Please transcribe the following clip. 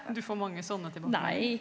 du får mange sånne tilbakemeldinger?